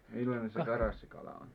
millainen se karassikala on